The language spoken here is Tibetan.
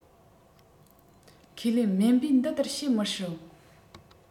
ཁས ལེན སྨན པས འདི ལྟར བཤད མི སྲིད